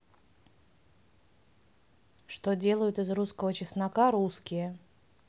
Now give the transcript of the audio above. что делают из русского чеснока русские